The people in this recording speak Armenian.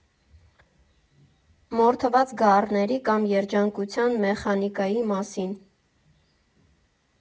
Մորթված գառների կամ երջանկության մեխանիկայի մասին։